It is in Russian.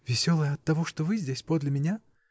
— Веселая — оттого, что вы здесь, подле меня.